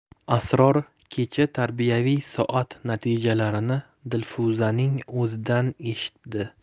asror kecha tarbiyaviy soat natijalarini dilfuzaning o'zidan eshitdi